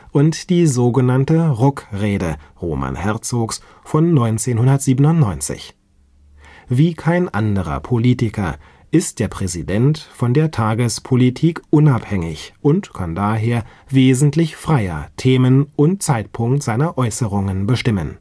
und die so genannte „ Ruck-Rede “Roman Herzogs von 1997. Wie kein anderer Politiker ist der Präsident von der Tagespolitik unabhängig und kann daher wesentlich freier Themen und Zeitpunkt seiner Äußerungen bestimmen